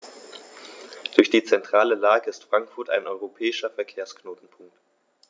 Durch die zentrale Lage ist Frankfurt ein europäischer Verkehrsknotenpunkt.